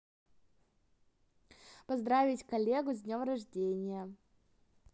поздравить коллегу с днем рождения